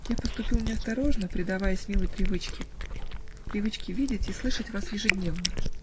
) "Я поступил неосторожно, предаваясь милой привычке, привычке видеть и слышать вас ежедневно.